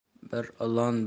bir ilon bir